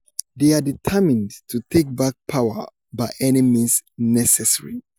"They are determined to take back power by any means necessary.